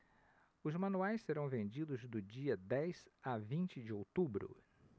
os manuais serão vendidos do dia dez a vinte de outubro